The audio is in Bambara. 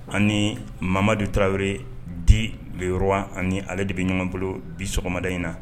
Ani mama de taraweleo di bi yɔrɔwa ani ale de bɛ ɲɔgɔn bolo bi sɔgɔmada in na